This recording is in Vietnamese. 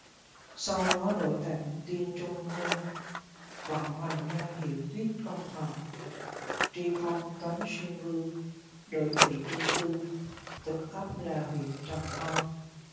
sau đó đổi tặng tuyên trung hưng vận hoằng nhân hiệu tiết công thần truy phong toánh xuyên vương đổi thụy trung tương thực ấp là huyện trầm khâu